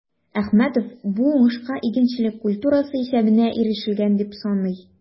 Әхмәтов бу уңышка игенчелек культурасы исәбенә ирешелгән дип саный.